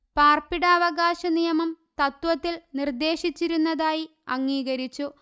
പാർപ്പിടാവകാശനിയമം തത്ത്വത്തിൽ നിർദ്ദേശിച്ചിരുന്നതായി അംഗീകരിച്ചു